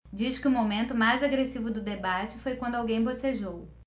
diz que o momento mais agressivo do debate foi quando alguém bocejou